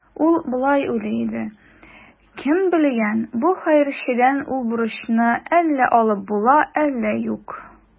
Ул болай уйлый иде: «Кем белгән, бу хәерчедән ул бурычны әллә алып була, әллә юк".